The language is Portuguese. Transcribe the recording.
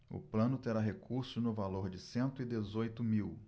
o plano terá recursos no valor de cento e dezoito mil